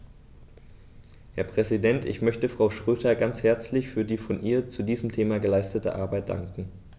Herr Präsident, ich möchte Frau Schroedter ganz herzlich für die von ihr zu diesem Thema geleistete Arbeit danken.